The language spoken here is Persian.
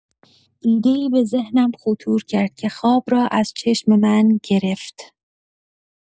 ایده‌ای به ذهنم خطور کرد که خواب رو از چشم من گرفت!